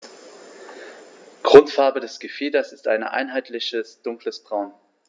Grundfarbe des Gefieders ist ein einheitliches dunkles Braun.